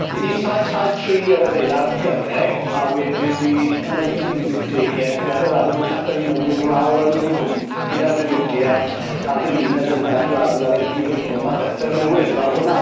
Un saith saith tri yr adeilad gyrreg a wedyn 'ny yn yr un wyth dege fe adeladon nw capel newydd lawr yn y cwm gyda'r diwydiant a'r gymuned yn adeladu ar y gwilod y cwm a Bethel newydd lawr fyn 'na.